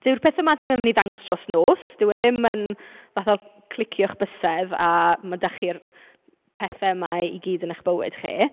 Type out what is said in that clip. Dyw'r pethe 'ma ddim yn mynd i ddangos dros nos dyw, e ddim yn fatha clicio'ch bysedd a ma' 'da chi'r pethe 'ma i gyd yn eich bywyd chi.